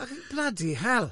A blydi hell!